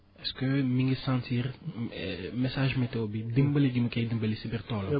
est ce que mi ngi sentir message météo bi dimbali bi mu koy dimbali si biir toolam